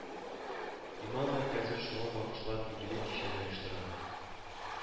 Иман мәркәзе шуңа багышлап юбилей кичәне оештыра